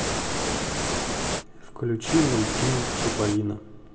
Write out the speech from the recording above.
включи мультфильм чиполлино